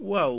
waaw